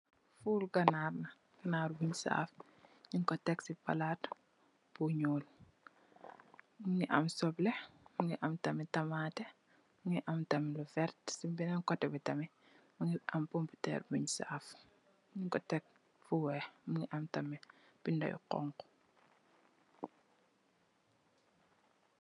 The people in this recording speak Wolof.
Ful ganaar la, ganaar buñ saaf, ñungko tek si palaat bu ñuul, mungi am sobleh, mungi am tamit tamaateh, mungi am tam lu vert, si baneen kote bi tamit, mungi am pompiteer buñ saaf, ñungko tek fu weeh, mungi am tamit binda yu xonxu.